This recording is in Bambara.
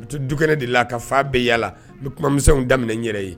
U dukɛnɛ de la a ka fa bɛɛ yalala u bɛ kumamisɛnw daminɛ yɛrɛ ye